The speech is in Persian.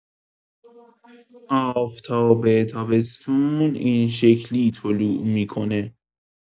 آفتاب تابستون این شکلی طلوع می‌کنه